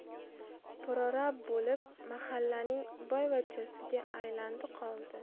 prorab bo'lib mahallaning boyvachchasiga aylandi qoldi